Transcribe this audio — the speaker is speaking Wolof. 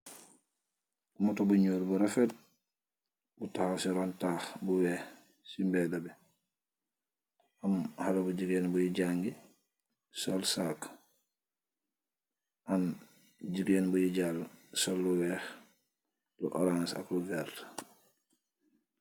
Motor bu njol bu refet bu tahaw se ronn tahh bu weeh se mbeda bi, am haleh bu jegain buye jagee sul sack, am jegain buye jala sul lu weeh , lu orance ak lu werrta.